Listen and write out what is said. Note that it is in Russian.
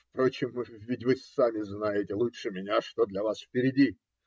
Впрочем, ведь вы сами знаете лучше меня, что для вас впереди.